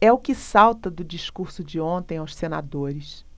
é o que salta do discurso de ontem aos senadores